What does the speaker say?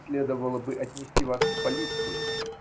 Следовало бы отнести вас в полицию.